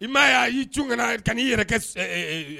I m'a ye ,a y'i cun ka na, ka n'i yɛrɛ kɛ ɛɛ